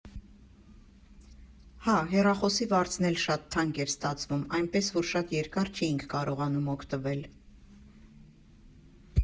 Հա, հեռախոսի վարձն էլ շատ թանկ էր ստացվում, այնպես որ շատ երկար չէինք կարողանում օգտվել։